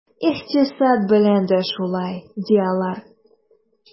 Икътисад белән дә шулай, ди алар.